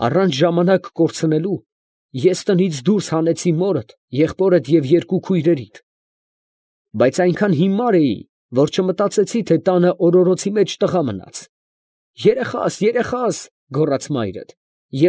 Առանց ժամանակ կորցնելու, ես տնից դուրս հանեցի մորդ, եղբորդ և երկու քույրերիդ. բայց այնքան հիմար էի, որ չմտածեցի, թե տանը օրորոցի մեջ տղա մնաց։ «Երեխա՛ս, երեխա՛ս», գոռաց մայրդ և։